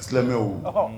Silamɛmɛ o